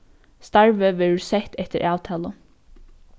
starvið verður sett eftir avtalu